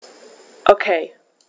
Okay.